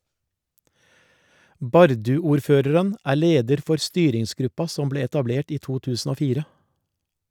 Bardu-ordføreren er leder for styringsgruppa som ble etablert i 2004.